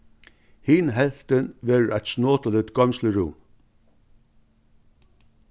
hin helvtin verður eitt snotiligt goymslurúm